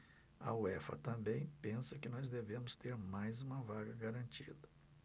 a uefa também pensa que nós devemos ter mais uma vaga garantida